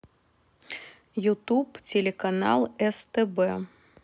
ютуб телеканал стб